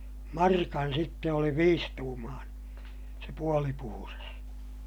markan sitten oli viisituumainen se puoli puhdas